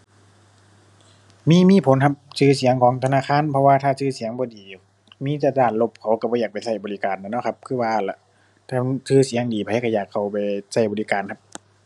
มี มีผลครับ ชื่อเสียงของธนาคาร เพราะว่าถ้าชื่อเสียงบ่ดี มีแต่ด้านลบเขาก็บ่อยากไปก็บริการแหล้วเนาะครับ คือว่าหั้นล่ะ ชื่อเสียงดีไผก็อยากเข้าไปก็บริการครับ